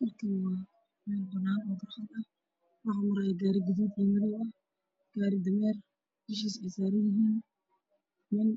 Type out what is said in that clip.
Mushaan waa meel walba waxay muuqdo gaari gududdii biluga iyo gaari dameer dushii saaran yahay